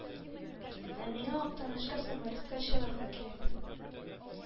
Ә миңа Актанышка самолетка чыгарга кирәк.